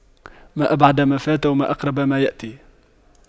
ما أبعد ما فات وما أقرب ما يأتي